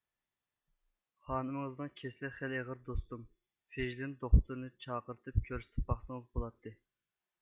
خانىمىڭىزنىڭ كېسىلى خېلى ئېغىر دوستۇم فېژلىن دوختۇرنى چاقىرتىپ كۆرسىتىپ باقسىڭىز بولاتتى